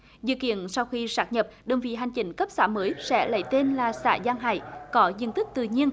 dự kiến sau khi sát nhập đơn vị hành chính cấp xã mới sẽ lấy tên là xã giang hải có diện tích tự nhiên